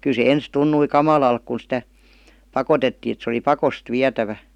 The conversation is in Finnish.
kyllä se ensin tuntui kamalalta kun sitä pakotettiin että se oli pakosti vietävä